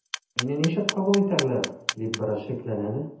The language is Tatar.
“мине ничек кабул итәрләр” дип бераз шикләнә дә.